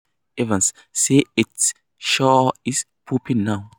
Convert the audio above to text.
Evans: "Say, it sure is popping now!"